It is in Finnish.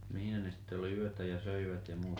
missä ne sitten oli yötä ja söivät ja -